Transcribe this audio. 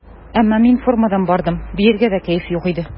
Әмма мин формадан бардым, биергә дә кәеф юк иде.